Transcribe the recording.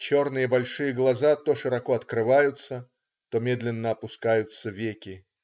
Черные, большие глаза то широко открываются, то медленно опускаются веки.